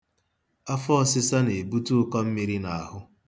Afọọsịsa na-ebute ụkọ mmiri n'ahụ.